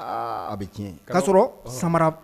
Aaa a be tiɲɛ k'a sɔrɔ samara b